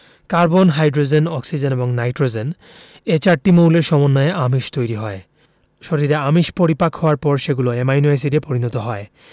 carbon hydrogen oxygen এবং nitrogen এ চারটি মৌলের সমন্বয়ে আমিষ তৈরি হয় শরীরে আমিষ পরিপাক হওয়ার পর সেগুলো অ্যামাইনো এসিডে পরিণত হয়